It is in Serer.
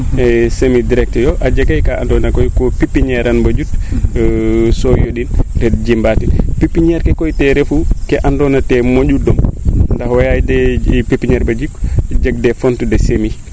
semi direct o jegay kaa ando na koy ko pepiniere an boo njut so yondin so njibaa den pepiniere ke koy te refu ke ando te moƴu ndom nda waxa je pepiniere boo njut jeg des fonds de semi